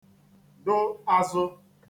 dụ āzụ̄